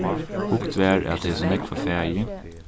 hugt var at hesum nógva fæi